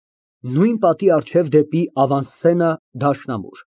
Նույն պատի առջև դաշնամուր։